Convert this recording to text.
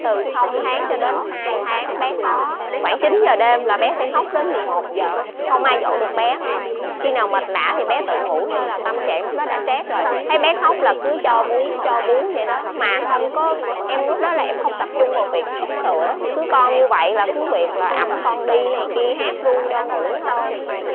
từ không tháng cho đến hai tháng bé khó khoảng chín giờ đêm là bé sẽ khóc đến mười một giờ không ai dỗ được bé hết khi nào mệt lả thì bé tự ngủ thôi là tâm trạng lúc đó đã choét rồi thấy bé khóc là cứ cho bú cho bú vậy đó mà không có em lúc đó là em không tập trung vào việc hút sữa cứ con như vậy là cứ việc là ẵm con đi này kia hát ru cho ngủ thôi